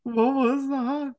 What was that?